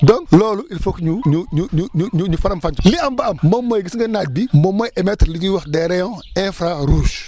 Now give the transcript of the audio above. donc loolu il foog ñu ñu ñu ñu ñu faram-fàcce li am ba am moom mooy gis nga naaj bi moom mooy émettre li ñuy wax des rayons infra rouge